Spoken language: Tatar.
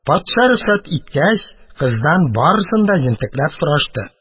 Патша рөхсәт иткәч, кыздан барысын да җентекләп сорашты.